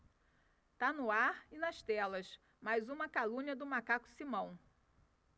tá no ar e nas telas mais uma calúnia do macaco simão